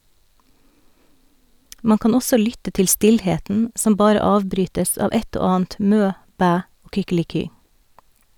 Man kan også lytte til stillheten, som bare avbrytes av ett og annet mø, bæ og kykeliky.